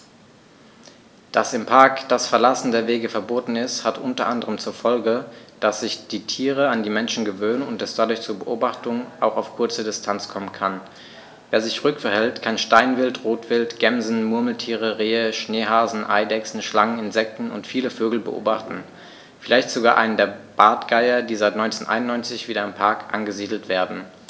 Dass im Park das Verlassen der Wege verboten ist, hat unter anderem zur Folge, dass sich die Tiere an die Menschen gewöhnen und es dadurch zu Beobachtungen auch auf kurze Distanz kommen kann. Wer sich ruhig verhält, kann Steinwild, Rotwild, Gämsen, Murmeltiere, Rehe, Schneehasen, Eidechsen, Schlangen, Insekten und viele Vögel beobachten, vielleicht sogar einen der Bartgeier, die seit 1991 wieder im Park angesiedelt werden.